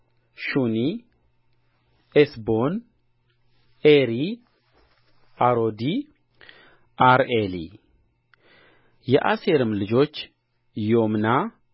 የስሞዖን ልጆች ይሙኤል ያሚን ኦሃድ ያኪን ጾሐር